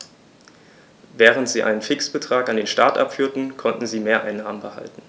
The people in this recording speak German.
Während sie einen Fixbetrag an den Staat abführten, konnten sie Mehreinnahmen behalten.